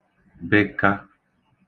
beka